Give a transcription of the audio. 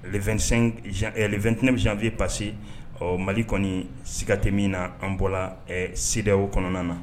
Le 29 janvier passé Mali kɔni siga te min na, an bɔra C D A O kɔnɔna na.